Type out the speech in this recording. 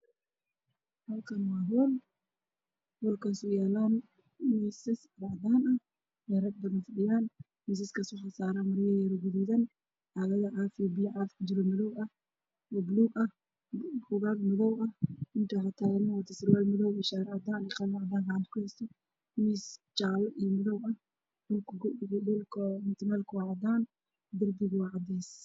Waa meel hool ah waxaa fadhiya niman farabadan